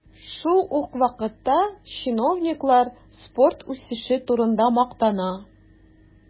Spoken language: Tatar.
Шул ук вакытта чиновниклар спорт үсеше турында мактана.